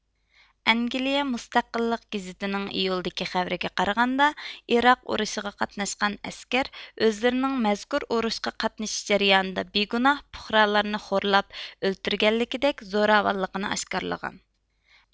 ئەنگىليە مۇستەقىللق گېزىتى نىڭ ئىيۇلدىكى خەۋىرىگە قارىغاندا ئېراق ئۇرۇشىغا قاتناشقان ئەسكەر ئۆزلىرىنىڭ مەزكۇر ئۇرۇشقا قاتنىشىش جەريانىدا بىگۇناھ پۇقرالارنى خورلاپ ئۆلتۈرگەنلىكىدەك زوراۋانلىقىنى ئاشكارىلغان